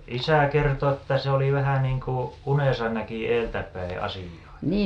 isä kertoi että se oli vähän niin kuin unessa näki edeltä päin asioita